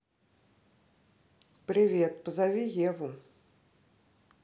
привет позови еву